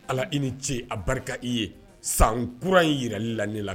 Ala i ni ce a barika i ye san kuran in jira la la